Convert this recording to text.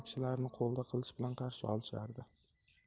kishilarini qo'lda qilich bilan qarshi olishardi